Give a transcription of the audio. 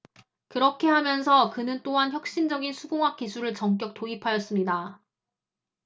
그렇게 하면서 그는 또한 혁신적인 수공학 기술을 전격 도입하였습니다